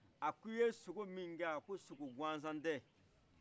a k' iye siko min kɛ ko siko gansan tɛ